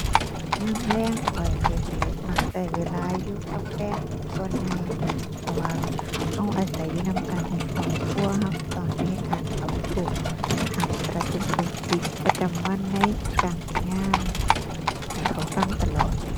ยามแลงข้อยก็สิมักก็เวลาอยู่กับแฟนส่วนใหญ่ เพราะว่าก็อาศัยอยู่นำกันเป็นครอบครัว ก็ก็ต้องมีการปรับทุกข์ ถามสารทุกข์สุกดิบประจำวันในการเฮ็ดงานให้เขาฟังตลอด